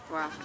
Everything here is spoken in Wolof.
waaw